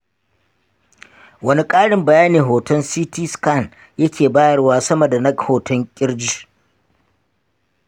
wane ƙarin bayani hoton ct scan yake bayarwa sama da na hoton ƙirj